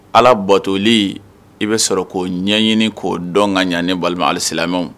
Ala bɔtoli i bɛ sɔrɔ ko ɲɛɲini k'o dɔn ka ɲa ne walima ali silamɛmɛw